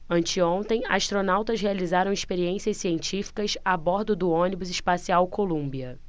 anteontem astronautas realizaram experiências científicas a bordo do ônibus espacial columbia